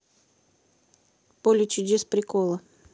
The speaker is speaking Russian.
поле чудес приколы